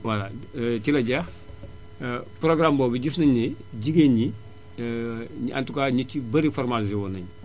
voilà ci la jeex programme boobu gis nañu ne jigéen ñi en tout cas ñi ci bari formalisé woon nañu